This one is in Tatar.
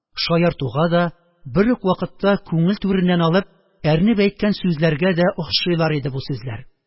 Шаяртуга да, бер үк вакытта күңел түреннән алып, әрнеп әйткән сүзләргә дә охшыйлар иде бу сүзләр